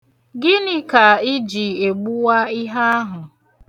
Gịnị ka ị ji egbuwa ihe ahụ?